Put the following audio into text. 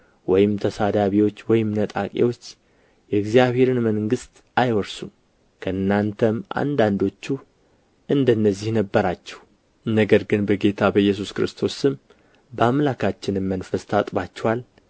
ወይም ተሳዳቢዎች ወይም ነጣቂዎች የእግዚአብሔርን መንግሥት አይወርሱም ከእናንተም አንዳንዶቹ እንደ እነዚህ ነበራችሁ ነገር ግን በጌታ በኢየሱስ ክርስቶስ ስም በአምላካችንም መንፈስ ታጥባችኋል